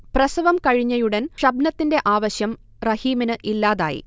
പ്രസവം കഴിഞ്ഞയുടൻ ഷബ്നത്തിന്റെ ആവശ്യം റഹീമിന് ഇല്ലാതായി